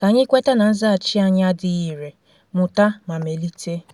Ka anyị kweta na nzaghachi anyị adịghị irè, mụta ma melite.